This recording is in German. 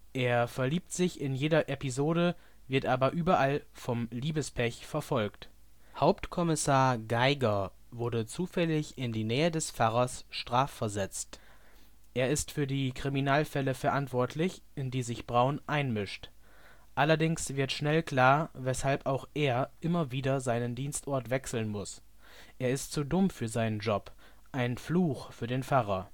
Er verliebt sich in jeder Episode, wird aber überall „ vom Liebespech verfolgt “. Hauptkommissar Geiger wurde zufällig in die Nähe des Pfarrers strafversetzt. Er ist für die Kriminalfälle verantwortlich, in die sich Braun einmischt. Allerdings wird schnell klar, weshalb auch er immer wieder seinen Dienstort wechseln muss: Er ist zu dumm für seinen Job, ein „ Fluch “für den Pfarrer